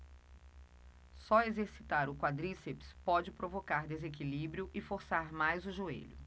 só exercitar o quadríceps pode provocar desequilíbrio e forçar mais o joelho